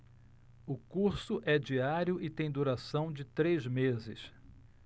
o curso é diário e tem duração de três meses